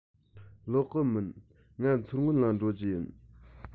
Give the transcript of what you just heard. ལོག གི མིན ང མཚོ སྔོན ལ འགྲོ རྒྱུ ཡིན